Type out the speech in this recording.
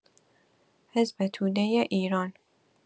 حزب توده ایران